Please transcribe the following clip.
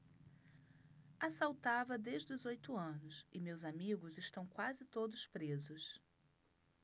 assaltava desde os oito anos e meus amigos estão quase todos presos